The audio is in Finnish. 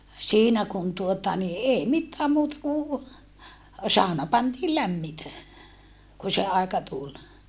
siinä kun tuota niin ei mitään muuta kuin sauna pantiin lämmitä kun se aika tuli